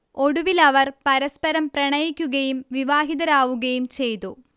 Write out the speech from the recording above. ഒടുവിലവർ പരസ്പരം പ്രണയിക്കുകയും വിവാഹിതരാവുകയും ചെയ്തു